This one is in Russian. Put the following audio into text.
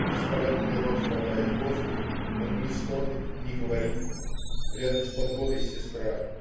Воспаленный рот хватает воздух. Он не стонет, не говорит. Рядом с подводой - сестра.